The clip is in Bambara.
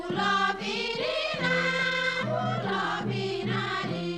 Wulalɔ la b kunlɔkiina